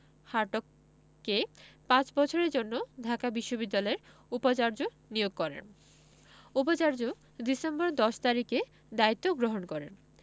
হার্টগকে পাঁচ বছরের জন্য ঢাকা বিশ্ববিদ্যালয়ের উপাচার্য নিয়োগ করেন উপাচার্য ডিসেম্বরের ১০ তারিখে দায়িত্ব গ্রহণ করেন